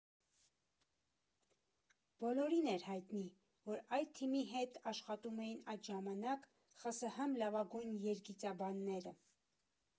Բոլորին էր հայտնի, որ այդ թիմի հետ աշխատում էին այդ ժամանակ ԽՍՀՄ լավագույն երգիծաբանները։